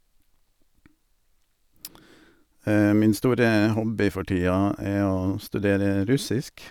Min store hobby for tida er å studere russisk.